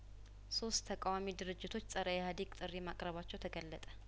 ሶስት ተቃዋሚ ድርጅቶች ጸረ ኢህአዴግ ጥሪ ማቅረባቸው ተገለጠ